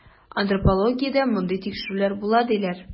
Антропологиядә мондый тикшерүләр була, диләр.